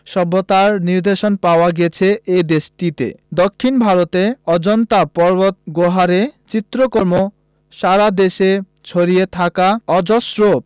সভ্যতার নিদর্শন পাওয়া গেছে এ দেশটিতে দক্ষিন ভারতে অজন্তা পর্বতগুহার চিত্রকর্ম সারা দেশে ছড়িয়ে থাকা অজস্র